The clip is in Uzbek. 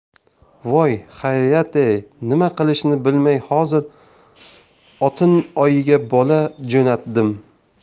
voy xayriyat e nima qilishni bilmay hozir otin oyiga bola jo'natdim